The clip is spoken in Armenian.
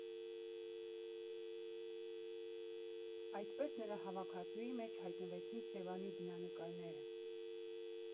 Այդպես նրա հավաքածուի մեջ հայտնվեցին Սևանի բնանկարները։